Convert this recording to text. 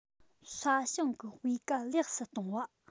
ས ཞིང གི སྤུས ཀ ལེགས སུ གཏོང བ